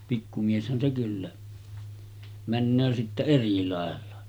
pikku mieshän se kyllä menee sitten eri lailla